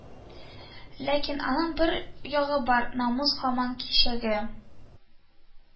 Ләкин аның бер ягы бар: «Намус» һаман кичегә